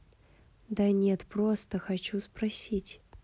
да нет просто хочу спросить